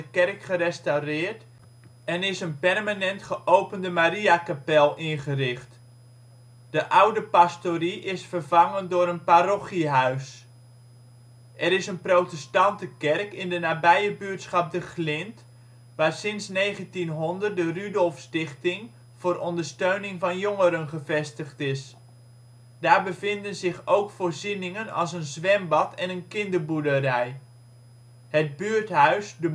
kerk gerestaureerd en is een permament geopende Mariakapel ingericht. De oudere pastorie is vervangen door een parochiehuis. Er is een protestante kerk in de nabije buurtschap De Glind, waar sinds 1900 de Rudolphstichting voor ondersteuning van jongeren gevestigd is. Daar bevinden zich ook voorzieningen als een zwembad en een kinderboerderij. Het buurthuis de